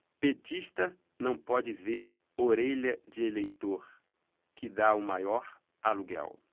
petista não pode ver orelha de eleitor que tá o maior aluguel